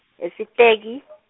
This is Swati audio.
eSiteki .